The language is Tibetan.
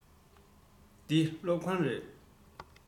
འདི སློབ ཁང རེད